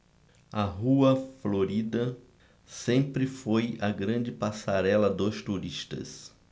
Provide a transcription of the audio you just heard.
a rua florida sempre foi a grande passarela dos turistas